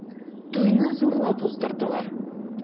Туйны зурлап уздырдылар.